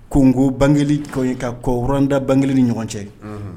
Ko nko ban tɔ ye ka kɔuranda bange kelen ni ɲɔgɔn cɛ